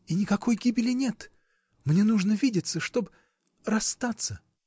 — И никакой гибели нет: мне нужно видеться, чтоб. расстаться.